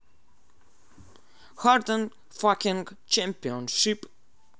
hardcore fighting championship